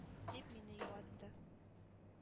— дип мине юатты.